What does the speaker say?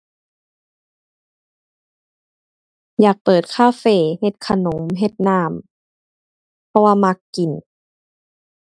อยากเปิด cafe เฮ็ดขนม เฮ็ดน้ำ เพราะว่ามักกิน